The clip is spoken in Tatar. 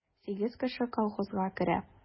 Сигез кеше колхозга керә.